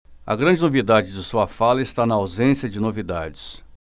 a grande novidade de sua fala está na ausência de novidades